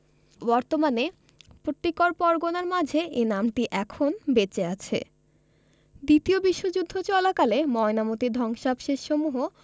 বর্তমানে পটিকর পরগনার মাঝে এ নামটি এখন বেঁচে আছে দ্বিতীয় বিশ্বযুদ্ধ চলাকালে ময়নামতীর ধ্বংসাবশেষসমূহ